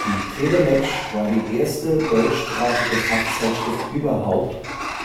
Die TeleMatch war die erste deutschsprachige Fachzeitschrift überhaupt,